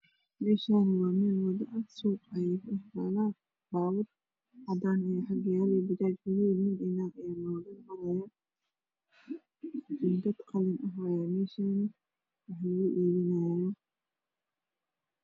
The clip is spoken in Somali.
Meshan waameel wado ah suuqayey kudhaxtalababur cadan ayaxagayalo iyo bajajmadow ah nin iyo nag ay wadadamarayo iyo dad qalin haya aywaxalaga iibinaya